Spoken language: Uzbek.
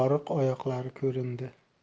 oriq oyoqlari ko'rindi